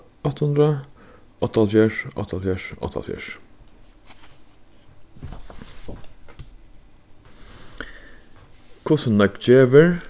átta hundrað áttaoghálvfjerðs áttaoghálvfjerðs áttaoghálvfjerðs hvussu nógv gevur